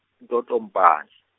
Ntotompane.